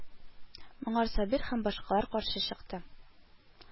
Моңар Сабир һәм башкалар каршы чыкты: